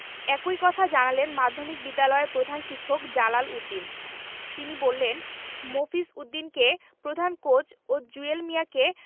একই কথা জানালেন মাধ্যমিক বিদ্যালয়ের প্রধান শিক্ষক জালাল উদ্দিন তিনি বলেন মফিজ উদ্দিনকে প্রধান কোচ ও জুয়েল মিয়াকে